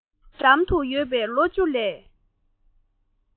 ངའི འགྲམ དུ ཡོད པའི ལོ བཅུ ལས